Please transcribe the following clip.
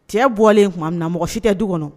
Cɛ bɔlen tuma min mɔgɔmɔgɔ si tɛ du kɔnɔ